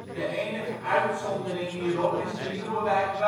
de enige uitzondering hierop is de nieuwe wijk Waterstede